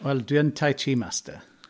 Wel, dwi yn tai chi master.